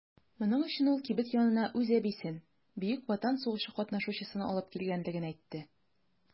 Моның өчен ул кибет янына үз әбисен - Бөек Ватан сугышы катнашучысын алып килгәнлеген әйтте.